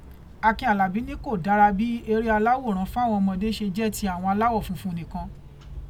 Akin Àlàbí ní kò dára bí eré aláwòrán fáwọn ọmọdé ṣe jẹ́ tí àwọn aláwọ̀ funfun nìkan.